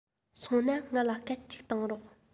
སོང ན ང ལ སྐད ཅིག གཏོང རོགས